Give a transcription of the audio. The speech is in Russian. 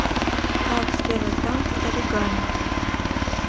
как сделать танк оригами